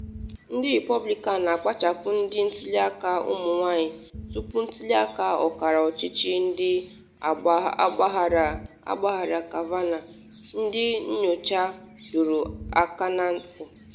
Ndị Repọblikan Na-akpachapụ Ndị Ntuli Aka Ụmụ-nwanyị Tupu Ntuli Aka Ọkara Ọchịchị Maka Ọgbaghara Kavanaugh, Ndị Nyocha Dọrọ Aka na Ntị